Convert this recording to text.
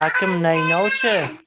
hakim naynov chi